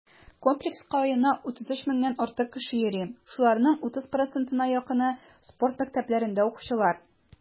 Комплекска аена 33 меңнән артык кеше йөри, шуларның 30 %-на якыны - спорт мәктәпләрендә укучылар.